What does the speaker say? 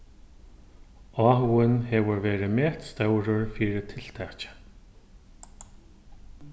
áhugin hevur verið metstórur fyri tiltakið